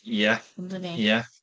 Ie... yn 'dyn ni? ...ie.